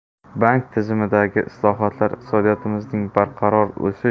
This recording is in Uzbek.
bank tizimidagi islohotlar iqtisodiyotimizning barqaror o'sish